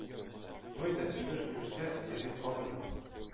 Бу инде имеш-мимешкә җирлек калдырмый.